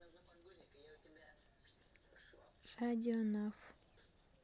радио наф